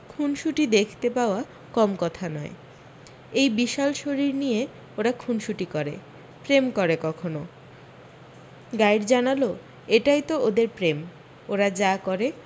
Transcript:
খুনসুটি দেখতে পাওয়া কম কথা নয় এই বিশাল শরীর নিয়ে ওরা খুনসুটি করে প্রেম করে কখনো গাইড জানাল এটাই তো ওদের প্রেম ওরা যা করে